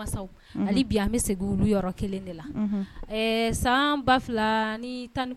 Mansaw, unhun, hali bi an bɛ segi, olu yɔrɔ 1 de la, unhun, san 201